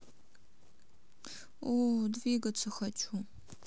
у двигаться хочу